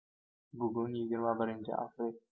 bugun yigirma birinchi aprel